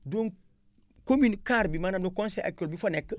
donc commune quart bi maanaam le conseil agricol bi fa nekk